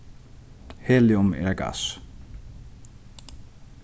helium er eitt gass